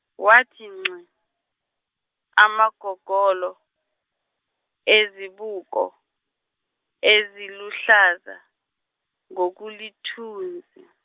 wathi ngxi, amagogolo, ezibuko, eziluhlaza, ngokulithunzi.